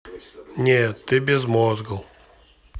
нет ты безмозгл